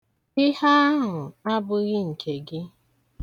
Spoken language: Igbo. Ihe ahụ abụghị nke gị.